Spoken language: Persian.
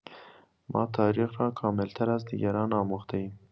ما تاریخ را کامل‌تر از دیگران آموخته‌ایم.